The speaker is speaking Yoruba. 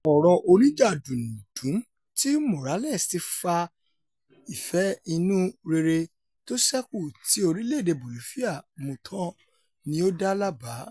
Ọ̀rọ̀ oníjà dúndùn ti Morales ti fa ìfẹ́ inú rere tóṣékù ti orílẹ̀-èdè Bolifia mu tán, ni ó dá láàbá.